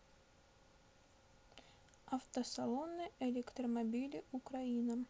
автосалоны электромобили украина